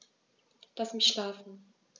Lass mich schlafen